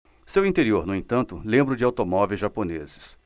seu interior no entanto lembra o de automóveis japoneses